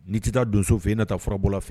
N'i tɛ taa donsow fɛ yen i na taa furabɔlaw fɛ yen